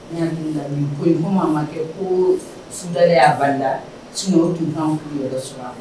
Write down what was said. Ne hakili la nin ko in komi a ma kɛ ko sudalen ye a balila, sunkuru tun kan k'i yɛrɛ sɔrɔ a